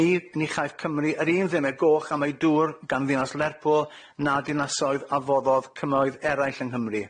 Ni- ni chaiff Cymru yr un ddimai goch am ei dŵr gan ddinas Lerpwl, na dinasoedd a foddodd cymoedd eraill yng Nghymru.